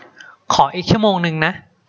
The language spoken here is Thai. ขออีกชั่วโมงนึงนะ